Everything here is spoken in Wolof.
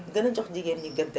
gën a jox jigéen ñi gëdd